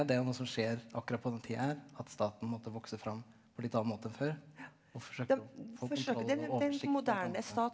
det er jo noe som skjer akkurat på den tida her at staten måtte vokse fram på en litt annen måte enn før og forsøke å få kontroll og oversikt .